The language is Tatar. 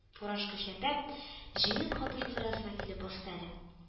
Фуражка чәпәп, җыен хатын-кыз арасына килеп басты әле